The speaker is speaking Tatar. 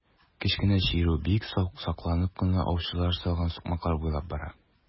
Кечкенә чирү бик сакланып кына аучылар салган сукмаклар буйлап бара.